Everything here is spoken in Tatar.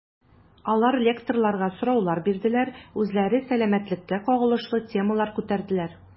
Алар лекторларга сораулар бирделәр, үзләре сәламәтлеккә кагылышлы темалар күтәрделәр.